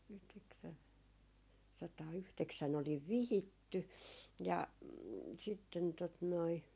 - yhdeksänsataayhdeksän olin vihitty ja sitten tuota noin